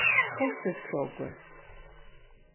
torkilskrókur